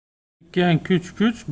birikkan kuch kuch